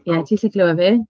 Ie, ti'n gallu clywed fi?